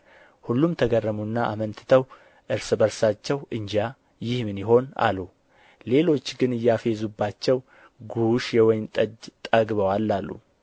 ሁሉም ተገረሙና አመንትተው እርስ በርሳቸው እንጃ ይህ ምን ይሆን አሉ ሌሎች ግን እያፌዙባቸው ጉሽ የወይን ጠጅ ጠግበዋል አሉ